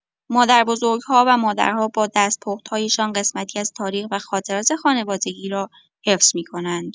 مادربزرگ‌ها و مادرها با دست‌پخت‌هایشان قسمتی از تاریخ و خاطرات خانوادگی را حفظ می‌کنند.